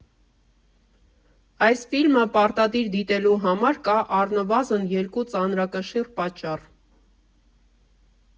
Այս ֆիլմը պարտադիր դիտելու համար կա առնվազն երկու ծանրակշիռ պատճառ.